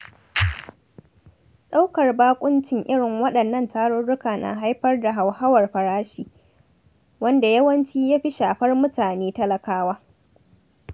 Ɗaukar baƙuncin irin waɗannan tarurrukan na haifar da hauhawar farashi, wanda yawanci ya fi shafar mutane talakawa.